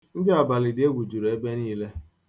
Ndị abalịdịegwu juru ebe niile.